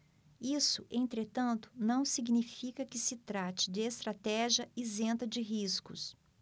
isso entretanto não significa que se trate de estratégia isenta de riscos